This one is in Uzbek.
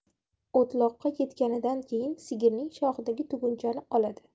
o'tloqqa yetganidan keyin sigirning shoxidagi tugunchani oladi